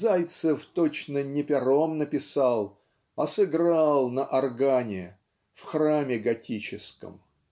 Зайцев точно не пером написал а сыграл на органе в храме готическом.